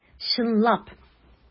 Чынлап!